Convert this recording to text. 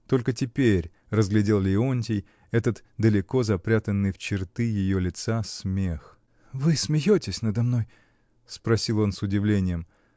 Только теперь разглядел Леонтий этот далеко запрятанный в черты ее лица смех. — Вы смеетесь надо мной? — спросил он с удивлением.